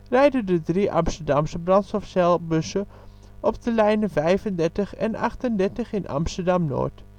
rijden de drie Amsterdamse brandstofcelbussen op de lijnen 35 en 38 in Amsterdam-Noord